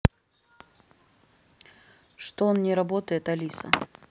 что он не работает алиса